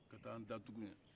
ka taa an datugu yen